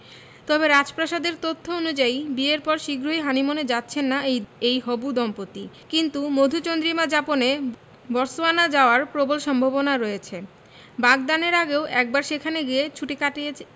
তবে রাজপ্রাসাদের তথ্য অনুযায়ী বিয়ের পর শিগগিরই হানিমুনে যাচ্ছেন না এই এই হবু দম্পতি কিন্তু মধুচন্দ্রিমা যাপনে বটসওয়ানা যাওয়ার প্রবল সম্ভাবনা রয়েছে বাগদানের আগেও একবার সেখানে গিয়ে ছুটি কাটিয়েছে